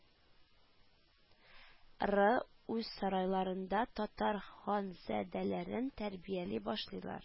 Ры үз сарайларында татар ханзадәләрен тәрбияли башлыйлар